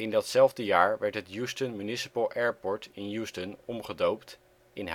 datzelfde jaar werd het Houston Municipal Airport in Houston omgedoopt in